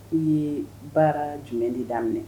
U ye baara jumɛn de daminɛ minɛ